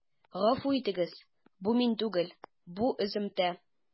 Гафу итегез, бу мин түгел, бу өземтә.